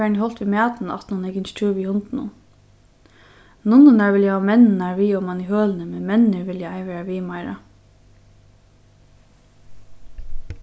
farin í holt við matin aftaná hon hevði gingið túr við hundinum nunnurnar vilja hava menninar við oman í hølini men menninir vilja ei vera við meira